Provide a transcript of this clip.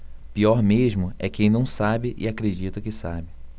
pior mesmo é quem não sabe e acredita que sabe